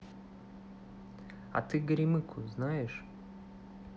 а ты горемыку знаешь